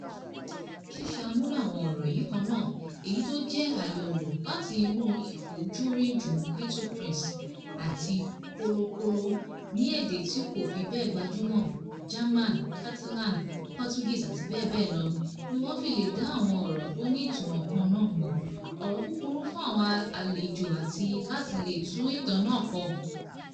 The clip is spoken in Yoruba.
Ṣíṣàmúlò àwọn ọ̀rọ̀ yìí kan náà(èyí tó jẹ́ àyọlọ̀ láti inú ìfojúrinjú Little Prince àti Kọ̀lọ̀kọ̀lọ̀) ní èdè tí kò fi bẹ́ẹ̀ gbajúmọ̀ (German, Catalan, Portuguese, abbl) ni wọ́n fi lè dá àwọn ọ̀rọ̀ tó ní ìtumò kan náà mọ̀, ọ̀rọ̀ kúkúrú fún àwọn àlejò, àti láti lè tún ìtàn náà kọ.